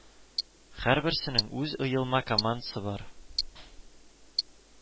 Һәрберсенең үз ыелма командасы бар